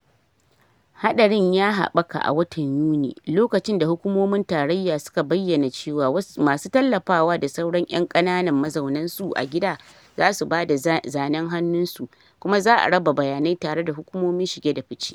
Haɗarin ya haɓaka a watan Yuni, lokacin da hukumomin tarayya suka bayyana cewa masu tallafawa da sauran 'yan ƙananan mazaunan su a gida zasu bada zanen hannun su, kuma za a raba bayanai tare da hukumomin shige da fice.